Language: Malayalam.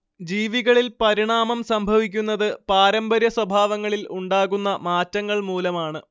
ജീവികളിൽ പരിണാമം സംഭവിക്കുന്നത് പാരമ്പര്യസ്വഭാവങ്ങളിൽ ഉണ്ടാകുന്ന മാറ്റങ്ങൾ മൂലമാണ്